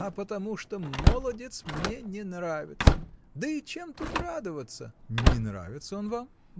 -- А потому, что молодец мне не нравится; да и чему тут радоваться? -- Не нравится он вам?